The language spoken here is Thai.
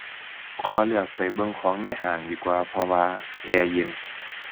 ขอเลือกไปเบิ่งของในห้างดีกว่า เพราะว่าแอร์เย็น